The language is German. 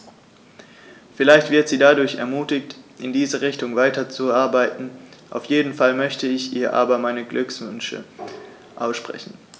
Vielleicht wird sie dadurch ermutigt, in diese Richtung weiterzuarbeiten, auf jeden Fall möchte ich ihr aber meine Glückwünsche aussprechen.